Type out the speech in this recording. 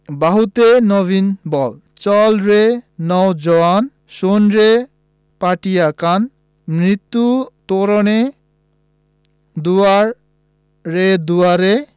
বাহুতে নবীন বল চল রে নও জোয়ান শোন রে পাতিয়া কান মৃত্যু তরণ দুয়ারে দুয়ারে